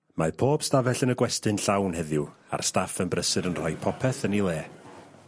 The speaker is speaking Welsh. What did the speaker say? Mae pob stafell yn y gwesty'n llawn heddiw ar staff yn brysur yn rhoi popeth yn 'i le